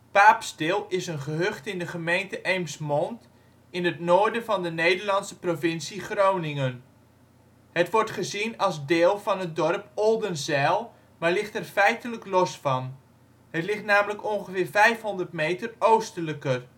Paapstil is een gehucht in de gemeente Eemsmond in het noorden van de Nederlandse provincie Groningen. Het wordt gezien als deel van het dorp Oldenzijl, maar ligt er feitelijk los van; het ligt namelijk ongeveer 500 meter oostelijker